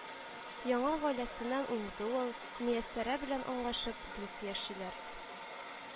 Яңа гаиләсеннән уңды ул, Мияссәрә белән аңлашып, дус яшиләр